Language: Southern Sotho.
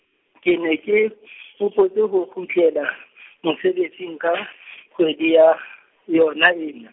ke ne ke , hopotse ho kgutlela , mosebetsing ka , kgwedi ya , yona ena.